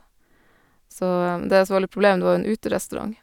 Så, det som var litt problem, det var jo en uterestaurant.